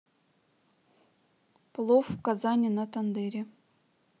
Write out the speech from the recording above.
плов в казане на тандыре